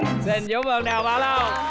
xin chúc mừng đào bá lộc